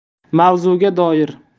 mavzuga doir